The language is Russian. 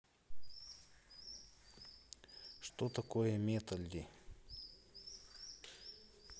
что такое металли